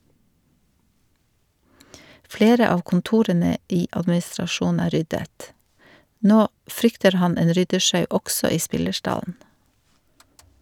Flere av kontorene i administrasjonen er ryddet, nå frykter han en ryddesjau også i spillerstallen.